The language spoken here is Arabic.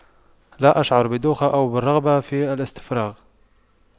لا أشعر بدوخة أو بالرغبة في الاستفراغ